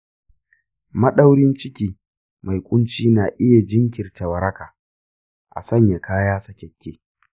maɗaurin ciki mai kunci na iya jinkirta waraka; a sanya kaya sakekke.